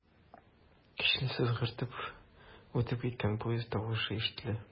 Көчле сызгыртып үтеп киткән поезд тавышы ишетелә.